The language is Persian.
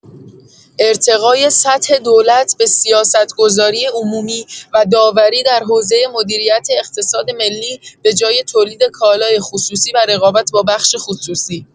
ارتقای سطح دولت به سیاست‌گذاری عمومی و داوری در حوزۀ مدیریت اقتصاد ملی بجای تولید کالای خصوصی و رقابت با بخش خصوصی